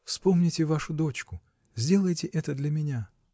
-- Вспомните вашу дочку; сделайте это для меня.